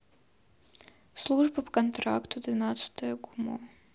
служба по контракту двенадцатое гумо